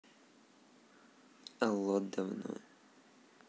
алло давно